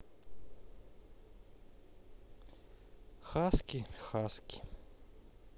хаски хаски